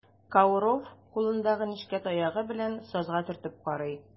Кауров кулындагы нечкә таягы белән сазга төртеп карый.